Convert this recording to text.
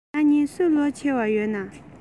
ང རང གཉིས སུ ལོ ཆེ བ ཡོད ན